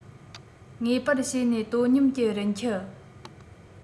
ངེས པར བྱས ནས དོ སྙོམས ཀྱི རིན ཁྱད